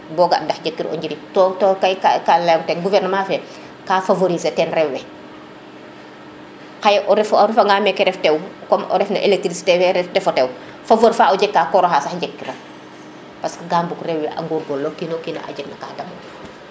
bo ga ndax jeg kiro o njiriñ to koy ke ka leyoŋ ten gouvernement fe ka favoriser ten rewe xaye o refa nga meke ref tew comme o ref na electricité fe refo tew favore fa o jega sax o koro xa sax jeg kiran parce ka bug rewe a ngor goor loox kino kin a jeg no ka damona